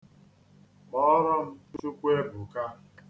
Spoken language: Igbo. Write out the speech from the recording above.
Kpọọrọ m Chukwuebuka.